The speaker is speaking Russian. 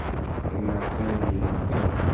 реакция вели